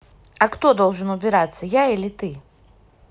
а кто должен убираться я или ты